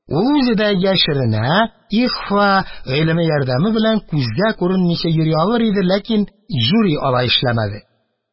Ул үзе дә яшеренә, ихфа гыйлеме ярдәме белән күзгә күренмичә йөри алыр иде, ләкин юри алай эшләмәде.